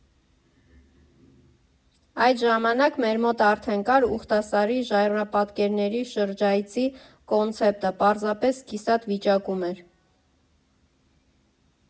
Այդ ժամանակ մեր մոտ արդեն կար Ուղտասարի ժայռապատկերների շրջայցի կոնցեպտը, պարզապես կիսատ վիճակում էր։